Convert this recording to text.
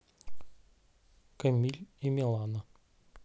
камиль и милана